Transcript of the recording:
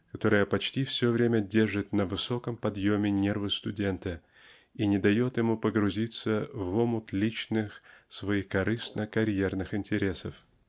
которая почти все время держит на высоком подъЁме нервы студента и не дает ему погрузиться в омут личных своекорыстно-карьерных интересов.